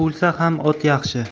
bo'lsa ham ot yaxshi